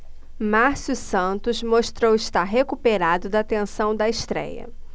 márcio santos mostrou estar recuperado da tensão da estréia